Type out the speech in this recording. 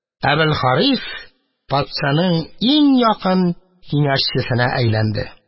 Әбелхарис патшаның иң якын киңәшчесенә әйләнде.